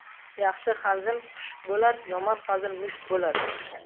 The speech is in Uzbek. yaxshi hazil xush bo'lar yomon hazil musht bo'lar